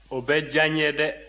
o bɛ diya n ye dɛ